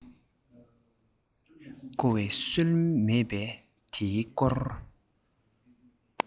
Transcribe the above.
བསྐོ བའི སྲོལ མེད པས དེའི སྐོར